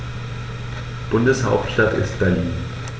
Bundeshauptstadt ist Berlin.